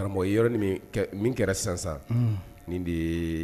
Karamɔgɔ ye yɔrɔnin min kɛ, min kɛra sisan sisan, un, nin de ye